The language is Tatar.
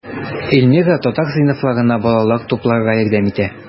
Эльмира татар сыйныфларына балалар тупларга ярдәм итә.